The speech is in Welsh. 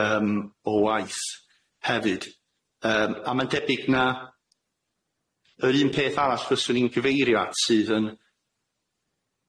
yym o waith hefyd yym a ma'n debyg na yr un peth arall fyswn i'n gyfeirio at sydd yn,